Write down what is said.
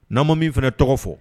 N'an ma min fana tɔgɔ fɔ